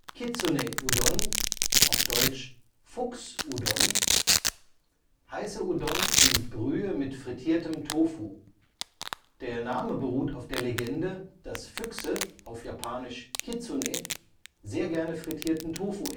Kitsune Udon (きつねうどん, „ Fuchs-Udon “): Heiße Udon in Brühe mit frittiertem Tofu. Der Name beruht auf der Legende, dass Füchse (Kitsune) sehr gerne frittierten Tofu